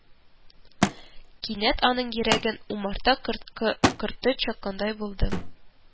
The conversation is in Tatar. Кинәт аның йөрәген умарта корты чаккандай булды